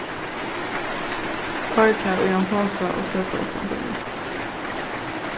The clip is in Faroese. koyr tað í ein posa og set tað uttanfyri